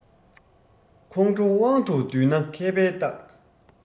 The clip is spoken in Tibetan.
ཁོང ཁྲོ དབང དུ འདུས ན མཁས པའི རྟགས